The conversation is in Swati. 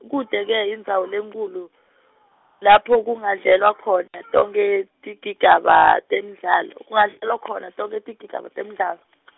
Kute-ke indzawo lenkhulu, lapho kungadlalelwa khona tonkhe, tigigaba, temdlalo, kungadlalelwa khona tonkhe tigigaba temdlalo .